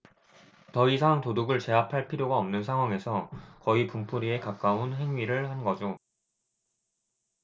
더 이상 도둑을 제압할 필요가 없는 상황에서 거의 분풀이에 가까운 행위를 한 거죠